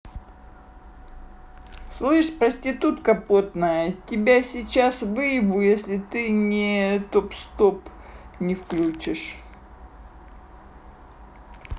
слышь проститутка потная тебя сейчас выебу если ты не топ сто не включишь